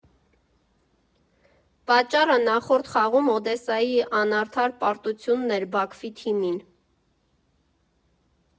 Պատճառը նախորդ խաղում Օդեսայի անարդար պարտությունն էր Բաքվի թիմին։